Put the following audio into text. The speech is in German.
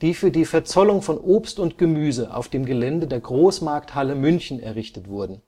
die für die Verzollung von Obst und Gemüse auf dem Gelände der Großmarkthalle München errichtet wurden